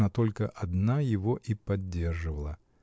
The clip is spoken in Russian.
она только одна его и поддерживала.